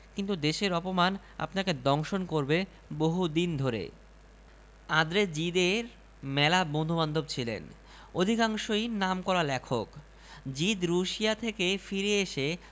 কিন্তু দেশের অপমান আপনাকে দংশন করবে বহুদিন ধরে আঁদ্রে জিদের মেলা বন্ধুবান্ধব ছিলেন অধিকাংশই নামকরা লেখক জিদ রুশিয়া থেকে ফিরে এসে